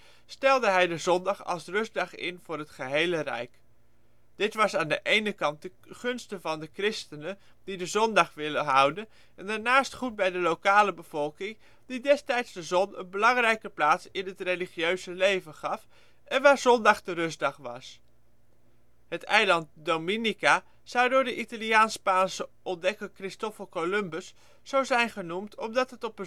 stelde hij de zondag als rustdag in voor het gehele rijk. Dit was aan de ene kant ten gunste van de christenen die de zondag willen houden en daarnaast goed bij de lokale bevolking die destijds de zon een belangrijke plaats in het religieuze leven gaf en waar zondag de rustdag was. Het eiland Dominica zou door de Italiaans-Spaanse ontdekkingsreiziger Christoffel Columbus zo zijn genoemd omdat het op